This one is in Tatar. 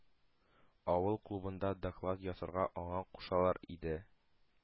Авыл клубында доклад ясарга аңа кушалар иде.